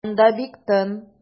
Монда бик тын.